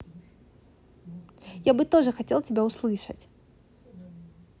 я бы тоже хотел тебя услышать